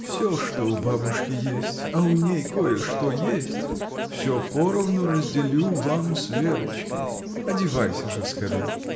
— Всё, что у бабушки есть, — а у ней кое-что есть — всё поровну разделю вам с Верочкой! Одевайся же скорей!